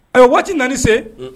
Ayiwa waati nani se, unhun